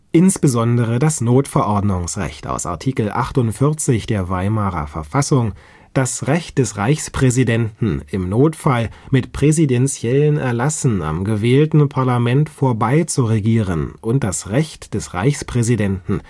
Insbesondere das Notverordnungsrecht (Artikel 48 der Weimarer Verfassung), das Recht des Reichspräsidenten, im Notfall mit präsidentiellen Erlassen am gewählten Parlament vorbei zu regieren, und das Recht des Reichspräsidenten